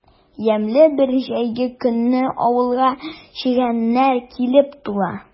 Ямьле бер җәйге көнне авылга чегәннәр килеп тула.